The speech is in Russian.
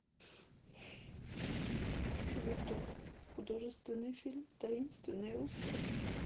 ютуб художественный фильм таинственный остров